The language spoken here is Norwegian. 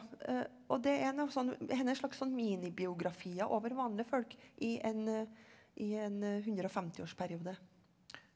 og det er noe sånn dette er en slags sånn minibiografier over vanlige folk i en i en hundreogfemtiårsperiode.